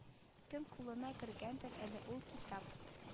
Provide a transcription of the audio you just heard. Кем кулына кергәндер әле ул китап